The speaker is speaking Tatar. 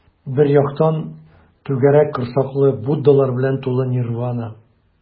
Бер яктан - түгәрәк корсаклы буддалар белән тулы нирвана.